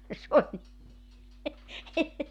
ja se oli